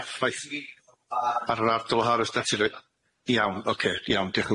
effaith ar yr ardal o harddwch naturiol iawn ocê iawn diolch